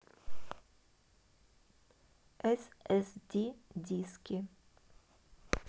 эс эс ди диски